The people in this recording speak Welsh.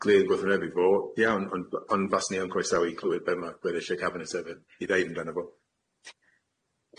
glir gwrthwynebu fo iawn on- ond faswni yn croesawu i clwed be' ma' gweddill y cabinet efo i ddeud amdano fo.